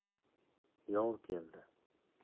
yov keldi